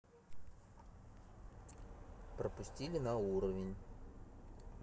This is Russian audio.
пропустили на уровень